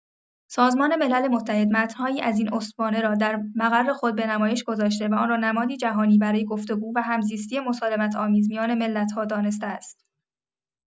سازمان ملل متحد متن‌هایی از این استوانه را در مقر خود به نمایش گذاشته و آن را نمادی جهانی برای گفت‌وگو و همزیستی مسالمت‌آمیز میان ملت‌ها دانسته است.